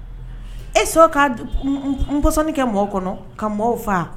E sɔn ka pɔsɔni kɛ mɔgɔw kɔnɔ ka mɔgɔw faga.